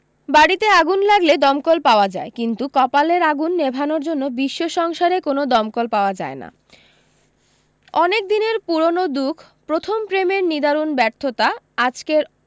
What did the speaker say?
বাড়ীতে আগুন লাগলে দমকল পাওয়া যায় কিন্তু কপালের আগুন নেভানোর জন্য বিশ্ব সংসারে কোন দমকল পাওয়া যায় না অনেক দিনের পুরোনো দুখ প্রথম প্রেমের নিদারুণ ব্যর্থতা আজকের